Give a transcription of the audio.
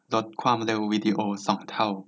ลดความเร็ววีดีโอสองเท่า